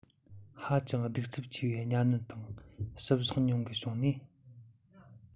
ཧ ཅང གདུག རྩུབ ཆེ བའི གཉའ གནོན དང བཤུ གཞོག མྱོང དགོས བྱུང ནས